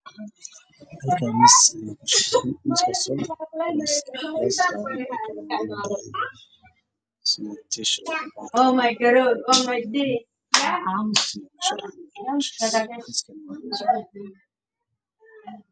Waa hool waxaa yaalo kuraas miisaas